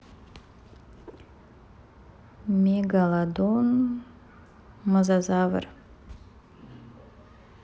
мегалодон мозазавр